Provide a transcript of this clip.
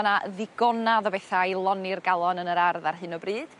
Ma' 'na ddigonadd o betha i lonni'r galon yn yr ardd ar hyn o bryd